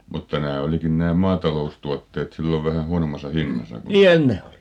mutta nämä olikin nämä maataloustuotteet silloin vähän huonommassa hinnassa kun